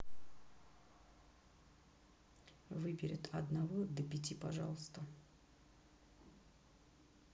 выберет одного до пяти пожалуйста